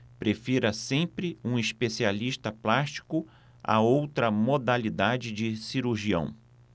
prefira sempre um especialista plástico a outra modalidade de cirurgião